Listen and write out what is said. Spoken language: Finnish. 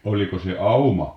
oliko se auma